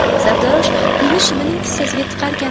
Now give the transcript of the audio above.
sartarosh pulni shimining kissasiga tiqarkan